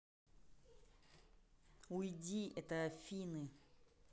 уйди это афины